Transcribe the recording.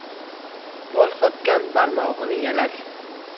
bol sotgan barmog'ini yalar